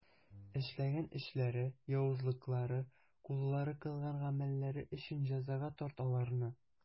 Эшләгән эшләре, явызлыклары, куллары кылган гамәлләре өчен җәзага тарт аларны.